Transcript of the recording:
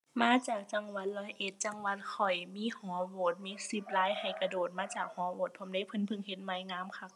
มาจากจังหวัดร้อยเอ็ดจังหวัดข้อยมีหอโหวตมี zipline ให้กระโดดมาจากหอโหวตพร้อมเดะเพิ่นพึ่งเฮ็ดใหม่งามคัก